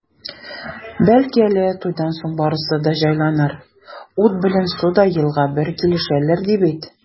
Бәлки әле туйдан соң барысы да җайланыр, ут белән су да елга бер килешәләр, ди бит.